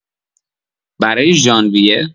برای ژانویه؟